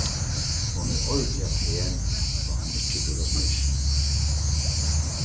hon er ordiliga pen tá hon ikki brúkar smyrsl